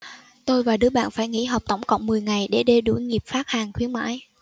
tôi và đứa bạn phải nghỉ học tổng cộng mười ngày để đeo đuổi nghiệp phát hàng khuyến mãi